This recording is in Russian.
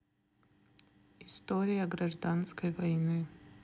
история гражданской войны